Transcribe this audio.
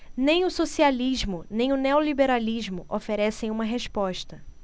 nem o socialismo nem o neoliberalismo oferecem uma resposta